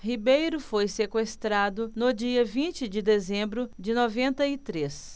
ribeiro foi sequestrado no dia vinte de dezembro de noventa e três